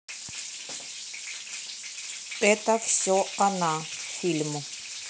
это все она фильм